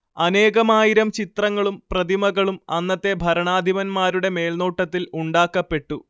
അനേകമായിരം ചിത്രങ്ങളും പ്രതിമകളും അന്നത്തെ ഭരണാധിപന്മാരുടെ മേൽനോട്ടത്തിൽ ഉണ്ടാക്കപ്പെട്ടു